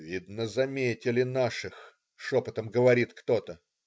"Видно, заметили наших",- шепотом говорит кто-то.